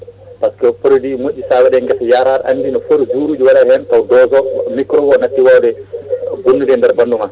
par ce que produit moƴƴi sa waɗe guesa ha taw aɗa andi no footi jours uji wonata hen taw dose o microbe o natti wawde bonnude e nder ɓamduma